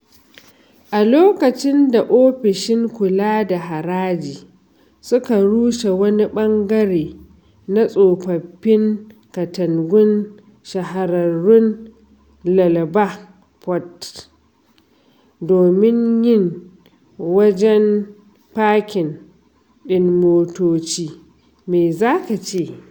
A lokacin da ofishin kula da haraji suka rushe wani ɓangare na tsofaffin katangun shahararren Lalbagh Fort domin yin wajen pakin ɗin motoci, me za ka ce?